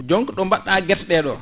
donc ɗo baɗɗa guerte ɗeɗo